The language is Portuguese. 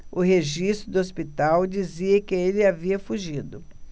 o registro do hospital dizia que ele havia fugido